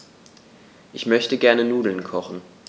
Ich möchte gerne Nudeln kochen.